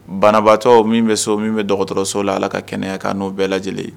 Banabaatɔ min bɛ so, min bɛ dɔgɔtɔrɔso la, allah ka kɛnɛya k'an n'o bɛɛ lajɛlen ye.